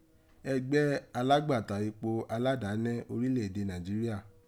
Ẹgbẹ́ aláàgbàtà epo aladánẹ́ orílẹ̀ èdè Naijiria.